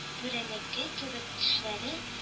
Бүренеке кебек тешләре